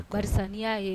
Karisa n'i y'a ye